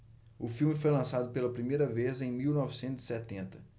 o filme foi lançado pela primeira vez em mil novecentos e setenta